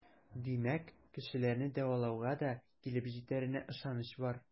Димәк, кешеләрне дәвалауга да килеп җитәренә ышаныч бар.